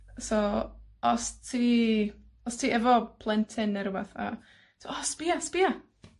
So, os ti, os ti efo plentyn ne' rwbath, a t'mo', o sbïa, sbïa.